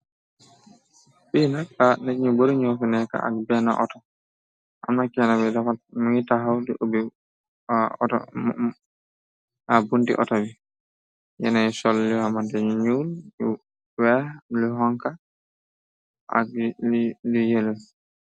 Bi nak, nit ñu bari ñoo fi nekk, ak bennë otto, am na kenna ki mu ngi taxaw muy ubbi bunti otto bi, ñenayi sol lu xamante lu ñuul, weex lu xoñxu ak "yellow."